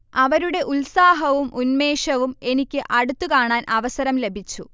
അവരുടെ ഉത്സാഹവും ഉന്മേഷവും എനിക്ക് അടുത്ത് കാണാൻ അവസരം ലഭിച്ചു